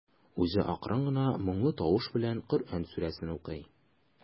Үзе акрын гына, моңлы тавыш белән Коръән сүрәсен укый.